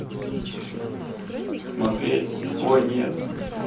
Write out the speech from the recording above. смотреть ой нет